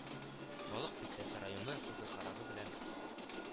Балык Бистәсе районы суды карары белән,